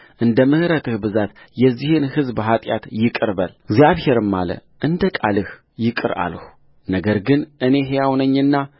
እንደ ምሕረትህ ብዛት የዚህን ሕዝብ ኃጢአት ይቅር በልእግዚአብሔርም አለ እንደ ቃልህ ይቅር አልሁነገር ግን እኔ ሕያው ነኛ